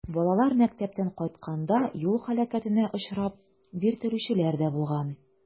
Балалар мәктәптән кайтканда юл һәлакәтенә очрап, биртелүчеләр дә булган.